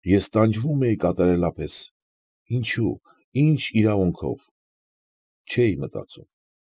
Ես տանջվում էի կատարելապես։ Ինչո՞ւ, ի՞նչ իրավունքով ֊ չէի մտածում։